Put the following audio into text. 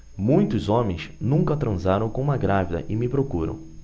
muitos homens nunca transaram com uma grávida e me procuram